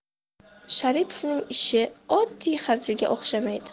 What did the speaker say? sharipovning ishi oddiy hazilga o'xshamaydi